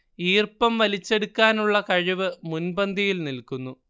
ഈർപ്പം വലിച്ചെടുക്കാനുളള കഴിവ് മുൻപന്തിയിൽ നിൽക്കുന്നു